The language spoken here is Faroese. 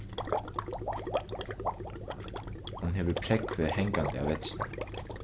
hon hevur prógvið hangandi á vegginum